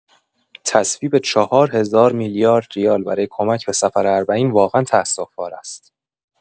تصویب چهارهزار میلیارد ریال برای کمک به سفر اربعین واقعا تاسف‌بار است.